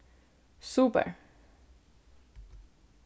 super